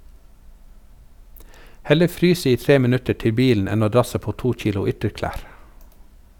Heller fryse i tre minutter til bilen enn å drasse på to kilo ytterklær.